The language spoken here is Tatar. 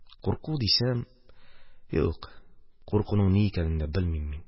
Курку дисәм, юк, куркуның ни икәнен дә белмим мин.